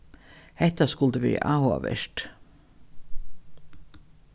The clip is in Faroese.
hetta skuldi verið áhugavert